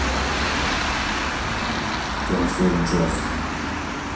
концерт джаз